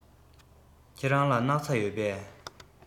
ཁྱེད རང ལ སྣག ཚ ཡོད པས